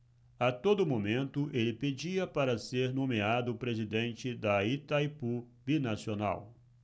a todo momento ele pedia para ser nomeado presidente de itaipu binacional